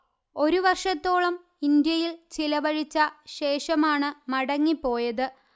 ഒരു വർഷത്തോളം ഇന്ത്യയിൽ ചിലവഴിച്ച ശേഷമാണു മടങ്ങി പോയത്